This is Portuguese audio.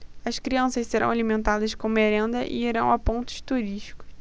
as crianças serão alimentadas com merenda e irão a pontos turísticos